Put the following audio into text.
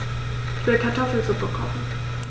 Ich will Kartoffelsuppe kochen.